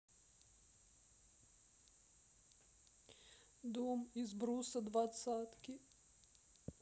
дом из бруса двадцатки